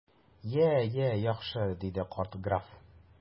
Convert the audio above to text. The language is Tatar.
Я, я, яхшы! - диде карт граф.